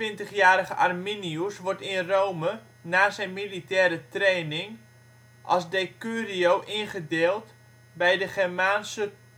De 22-jarige Arminius wordt in Rome na zijn militaire training, als decurio ingedeeld bij de Germaanse